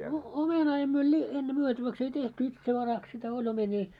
no omenaa en - ennen myytäväksi ei tehty itsevaraksi sitä oli omenia